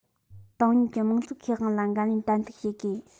ཏང ཡོན གྱི དམངས གཙོའི ཁེ དབང ལ འགན ལེན ཏན ཏིག བྱེད དགོས